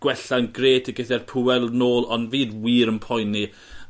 gwella'n grêt a geth e'r pŵel nôl ond fi wir yn poeni